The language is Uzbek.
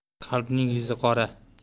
qalbning yuzi qora